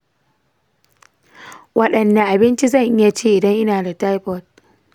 wadanne abinci zan iya ci idan ina da taifoid?